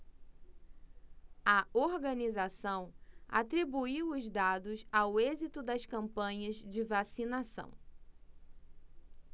a organização atribuiu os dados ao êxito das campanhas de vacinação